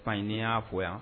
Fa n y'a fɔ yan